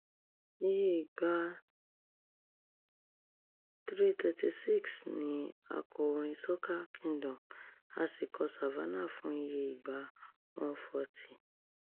Iye ìgbà 336 ni a kọ orin “Soca Kingdom”, a sì kọ "Savannah" fún iye ìgbà 140.